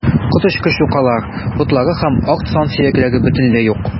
Коточкыч юкалар, ботлары һәм арт сан сөякләре бөтенләй юк.